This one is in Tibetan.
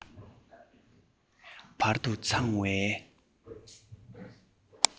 བར དུ འཚང བའི